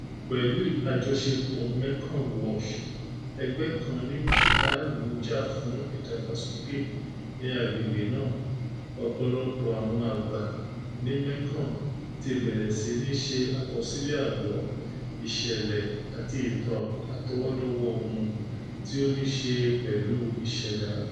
Pẹ̀lú àjọṣepọ̀ Mekong Watch, ẹgbẹ́ kan ní Jápáànì ń jà fún ìdàgbàsókè ní agbègbè náà, ọ̀pọ̀lọpọ̀ àwọn àgbà ní Mekong ti bẹ̀rẹ̀ sí ní ṣe àkọsílẹ̀ àlọ́, ìṣẹ̀lẹ̀ àti ìtàn àtọwọ́dọ́wọ́ọ wọn tí ó ní íṣe pẹ̀lú ìṣẹ̀dá.